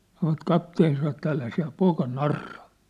sanoivat kapteeni sanoi että älä sinä poika narraa